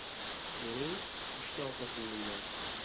mening uchta opa singlim bor